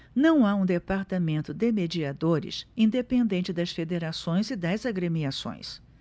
não há um departamento de mediadores independente das federações e das agremiações